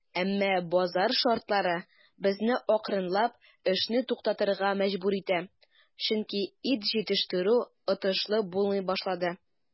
Әмма базар шартлары безне акрынлап эшне туктатырга мәҗбүр итә, чөнки ит җитештерү отышлы булмый башлады.